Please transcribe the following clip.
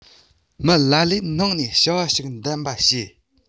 མི ལ ལས ནང ནས བྱ བ ཞིག འདེམས པ བྱེད